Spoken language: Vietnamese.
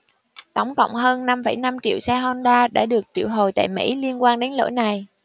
tổng cộng hơn năm phẩy năm triệu xe honda đã được triệu hồi tại mỹ liên quan đến lỗi này